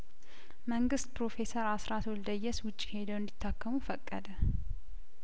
መንግስት ፕሮፌሰር አስራት ወልደየስ ውጪ ሄደው እንዲ ታከሙ ፈቀደ